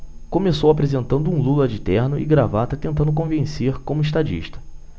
começou apresentando um lula de terno e gravata tentando convencer como estadista